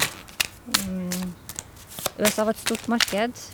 USA var et stort marked.